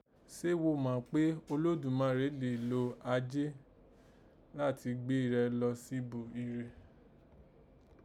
Sé gho mà kpé Olódùnmarè lè lò Ajé àti gbé rẹ lọ síbo irẹ?